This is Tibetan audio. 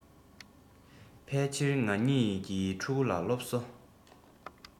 ཕལ ཕྱིར ང གཉིས ཀྱི ཕྲུ གུ ལ སློབ གསོ